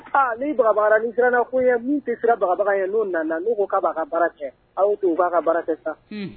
Ni baba ni sirannakun ye min tɛ sirabagabaga ye n'u nana n'u ko k ka ka baara kɛ aw u b'a ka baara kɛ sa